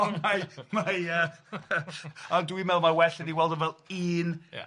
Ond mae mae yy ond dwi'n meddwl mai well i ni weld o fel un